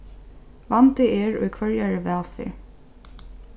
vandi er í hvørjari vælferð